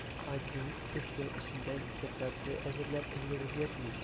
Адъюнкт өч ел эчендә диссертация әзерләп өлгерергә тиеш.